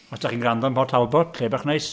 Os dach chi'n gwrando'n Port Talbot, lle bach neis!